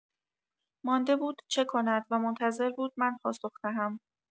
مانده بود چه کند و منتظر بود من پاسخ دهم.